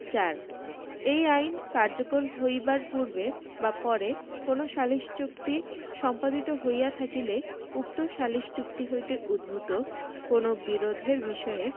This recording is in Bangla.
৪ এই আইন কার্যকর হইবার পূর্বে বা পরে কোন সালিস চুক্তি সম্পাদিত হইয়া থাকিলে উক্ত সালিস চুক্তি হইতে উদ্ভুত কোন বিরোধের বিষয়ে